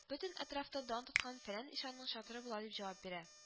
– бөтен әтрафта дан тоткан фәлән ишанның чатыры була, дип җавап бирә